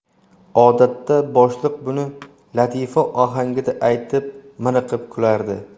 odatda boshliq buni latifa ohangida aytib miriqib kulardi